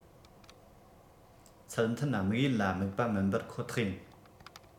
ཚུལ མཐུན དམིགས ཡུལ ལ དམིགས པ མིན པར ཁོ ཐག ཡིན